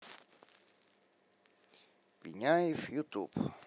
пиняев ютуб